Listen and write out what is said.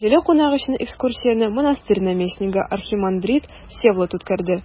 Дәрәҗәле кунак өчен экскурсияне монастырь наместнигы архимандрит Всеволод үткәрде.